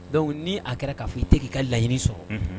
Donc n'i a kɛra k'a fɔ i tɛ k'i ka laɲini sɔrɔ; Unhun